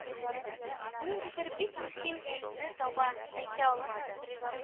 Ниндидер бик мөһим сүзне таба, әйтә алмады...